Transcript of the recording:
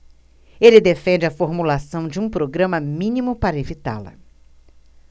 ele defende a formulação de um programa mínimo para evitá-la